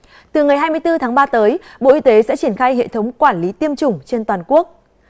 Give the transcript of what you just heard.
từ ngày hai mươi tư tháng ba tới bộ y tế sẽ triển khai hệ thống quản lý tiêm chủng trên toàn quốc